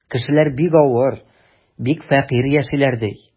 Кешеләр бик авыр, бик фәкыйрь яшиләр, ди.